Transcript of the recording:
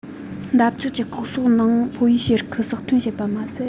འདབ ཆགས ཀྱི ལྐོག གསོག ནང ཕོ བའི གཤེར ཁུ ཟགས ཐོན བྱེད པ མ ཟད